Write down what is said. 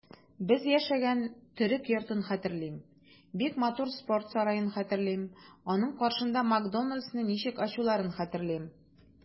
Без яшәгән төрек йортын хәтерлим, бик матур спорт сараен хәтерлим, аның каршында "Макдоналдс"ны ничек ачуларын хәтерлим.